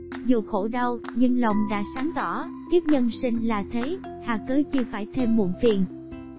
dù khổ đau nhưng lòng đã sáng tỏ kiếp nhân sinh là thế hà cớ chi phải thêm muộn phiền